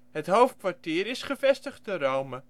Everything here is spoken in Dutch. Het hoofdkwartier is gevestigd te Rome